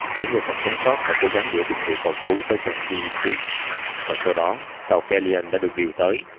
những người còn sống sót đã cố gắng gửi tín hiệu cầu cứu tới cho cec và sau đó tàu kellion đã được điều tới